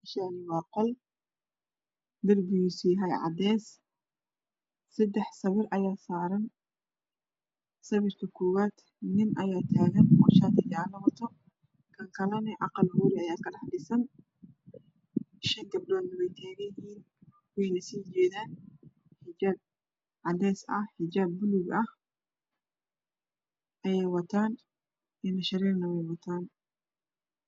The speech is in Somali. Meeshaani waa qol. Darbigiisu yahay cadeys seddex sawir ayaa saaran. Sawirka kowaad nin ayaa taagan oo shaati jaalo ah wato kan kalana aqal guri ah ayaa kadhex dhisan, shan gabdhoodna way taagan yihiin, wayna sii jeedaan xijaab cadeys ah iyo xijaab buluug ah ayay wadataan indho shareerna way wataan.